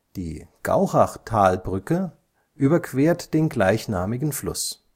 Die Gauchautalbrücke überquert den gleichnamigen Fluss